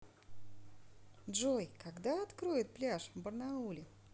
джой когда откроют пляж в барнауле